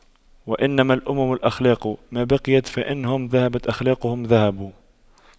وإنما الأمم الأخلاق ما بقيت فإن هم ذهبت أخلاقهم ذهبوا